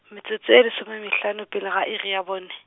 metsotso e lesome mehlano pele ga iri ya bone.